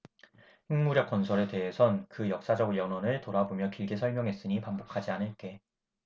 핵무력건설에 대해선 그 역사적 연원을 돌아보며 길게 설명했으니 반복하지 않을게